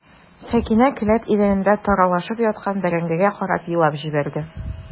Сәкинә келәт идәнендә таралышып яткан бәрәңгегә карап елап җибәрде.